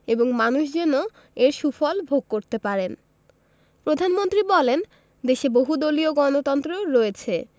এবং মানুষ যেন এর সুফল ভোগ করতে পারেন প্রধানমন্ত্রী বলেন দেশে বহুদলীয় গণতন্ত্র রয়েছে